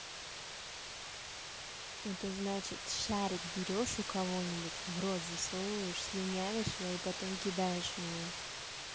это значит шарик берешь у кого нибудь в рот засовываешь слюнявишь его и потом кидаешь в него